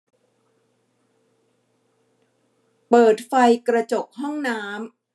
เปิดไฟกระจกห้องน้ำ